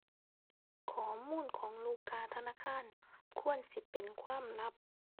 ข้อมูลของลูกค้าธนาคารควรสิเป็นความลับ